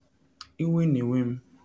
Iwe na ewe m.”